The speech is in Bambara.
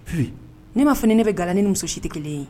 Ne m maa ne bɛ ga ni muso si tɛ kelen ye